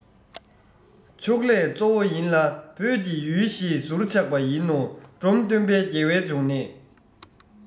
ཕྱུགས ལས གཙོ བོ ཡིན ལ བོད ཀྱི ཡུལ ཞེས ཟུར ཆག པ ཡིན ནོ འབྲོམ སྟོན པའི རྒྱལ བའི འབྱུང གནས